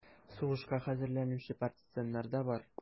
Сугышка хәзерләнүче партизаннар да бар: